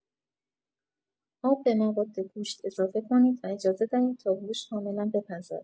آب به مواد گوشت اضافه کنید و اجازه دهید تا گوشت کاملا بپزد.